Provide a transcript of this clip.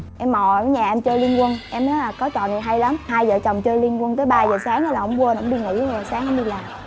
em mò ở nhà em chơi liên quân em nói là có trò này hay lắm hai vợ chồng chơi liên quan tới ba giờ sáng là ổng quên ổng đi ngủ rồi sáng ổng đi làm